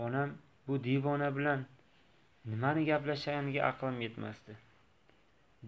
onam bu devona bilan nimani gaplashishiga aqlim yetmasdi